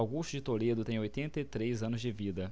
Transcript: augusto de toledo tem oitenta e três anos de vida